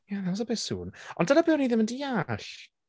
Yeah that was a bit soon. Ond dyna be o'n i ddim yn deall.